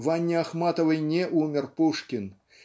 в Анне Ахматовой не умер Пушкин